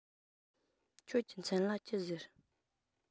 ཁྱེད ཀྱི མཚན ལ ཅི ཟེར